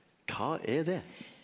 kva er det?